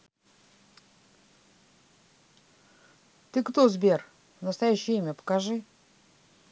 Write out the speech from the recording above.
ты кто сбер настоящее имя покажи